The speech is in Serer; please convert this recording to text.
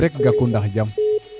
jam rek gaku ndax jam